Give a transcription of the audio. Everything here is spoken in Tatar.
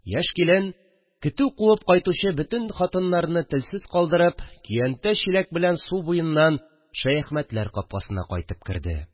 Яшь килен көтү куып кайтучы бөтен хатыннарны телсез калдырып көянтә-чиләк белән су буеннан Шәяхмәтләр капкасына кайтып керде